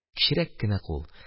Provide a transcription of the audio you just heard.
Кечерәк кенә кул